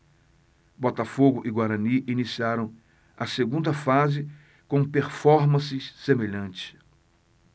botafogo e guarani iniciaram a segunda fase com performances semelhantes